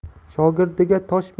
shogirdiga tosh bergan tosh